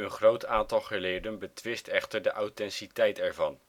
groot aantal geleerden betwist echter de authenticiteit ervan